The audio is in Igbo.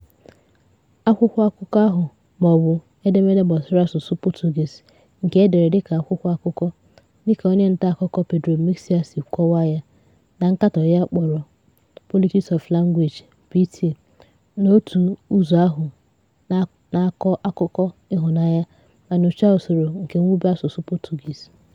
Akwụkwọakụkọ ahụ - maọbụ "edemede gbasara asụsụ Portuguese nke e dere dịka akwụkwọakụkọ", dịka onye ntaakụkọ Pedro Mexia si kọwaa ya na nkatọ ya ọ kpọrọ Politics of Language [pt] - n'otu ụzọ ahụ na-akọ akụkọ ịhụnanya ma nyochaa usoro nke mwube asụsụ Portuguese.